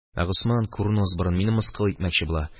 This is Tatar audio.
Ә Госман, курнос борын, мине мыскыл итмәкче була.